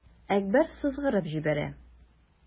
Әкбәр сызгырып җибәрә.